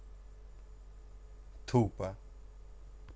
тупо